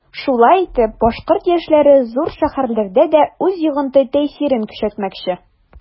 Шулай итеп башкорт яшьләре зур шәһәрләрдә дә үз йогынты-тәэсирен көчәйтмәкче.